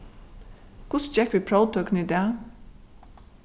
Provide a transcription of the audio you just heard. hvussu gekk við próvtøkuni í dag